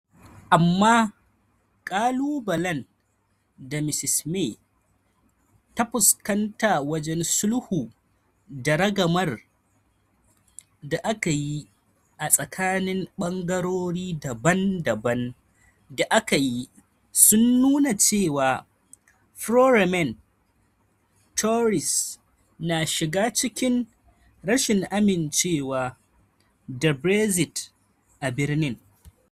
Amma ƙalubalen da Mrs May ta fuskanta wajen sulhu da ragamar da aka yi a tsakanin bangarori daban-daban da aka yi sun nuna cewa, Pro-Remain Tories na shiga cikin rashin amincewa da Brexit a birnin.